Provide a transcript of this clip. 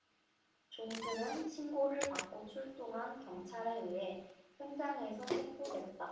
존슨은 신고를 받고 출동한 경찰에 의해 현장에서 체포됐다